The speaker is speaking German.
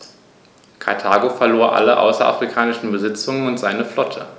Karthago verlor alle außerafrikanischen Besitzungen und seine Flotte.